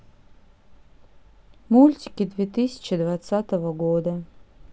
мультики две тысячи двадцатого года